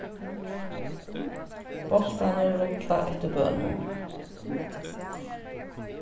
bóltarnir rulla eftir bønum